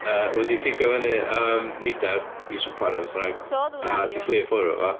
Yy wedi pigo fyny neidar i swpar neu beth bynnag, a 'di fflio ffwrdd efo fo.